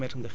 ok